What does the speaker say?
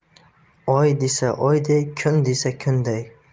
oy desa oyday kun desa kunday